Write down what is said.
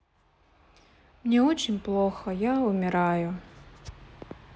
мне очень плохо я умираю